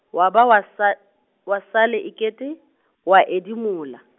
wa ba wa sa-, wa sala e kete, wa edimola.